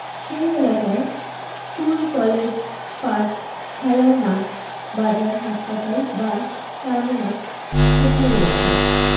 সেই এলাকায় school college park খেলার মাঠ বাজার হাসপাতাল বাস টারমিনাস কোথায় রয়েছে